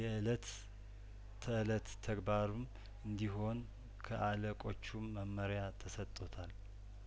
የእለት ተእለት ተግባሩም እንዲሆን ከአለቆቹ መመሪያ ተሰጥቶታል